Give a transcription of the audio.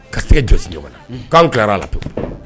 Ka se ka jɔsi ɲɔgɔn na k'an tilara pewu